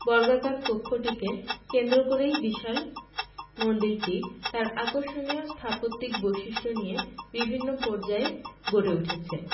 বর্গাকার কক্ষটিকে কেন্দ্র করেই বিশাল মন্দিরটি তার আকর্ষণীয় স্থাপত্যিক বৈশিষ্ট্য নিয়ে বিভিন্ন পর্যায়ে গড়ে উঠেছে